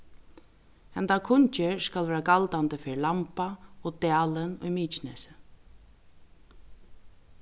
henda kunngerð skal vera galdandi fyri lamba og dalin í mykinesi